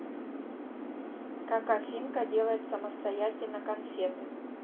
как афинка делает самостоятельно конфеты